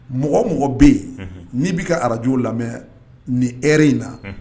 Mɔgɔ mɔgɔ bɛ yen n'i bɛ ka arajw lamɛn ni hɛrɛ in na